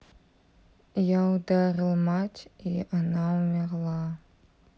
я ударил мать и она умерла